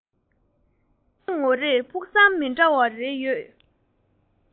མི རེ ངོ རེར ཕུགས བསམ མི འདྲ བ རེ ཡོད དེ